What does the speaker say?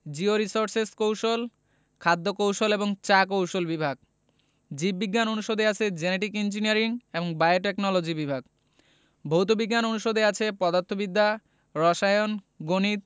georesources কৌশল খাদ্য কৌশল এবং চা কৌশল বিভাগ জীব বিজ্ঞান অনুষদে আছে জেনেটিক ইঞ্জিনিয়ারিং এবং বায়োটেকনলজি বিভাগ ভৌত বিজ্ঞান অনুষদে আছে পদার্থবিদ্যা রসায়ন গণিত